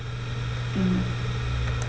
Ende.